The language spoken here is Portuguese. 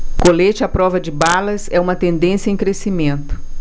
colete à prova de balas é uma tendência em crescimento